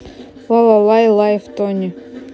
ла ла лай лайф тони